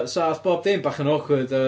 so aeth bob dim bach yn awkward yy